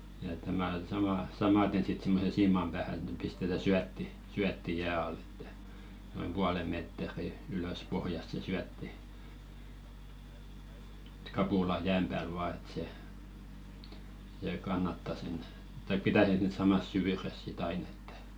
ja että tämä - samaten sitten semmoisen siiman päähän että ne pistetään syötti syötti jään alle että noin puolen metriä ylös pohjasta se syötti että kapula jää päällä vain että se se kannattaa sen tai pitää sen sitten samassa syvyydessä sitten aina että